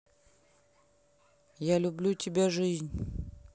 я люблю тебя жизнь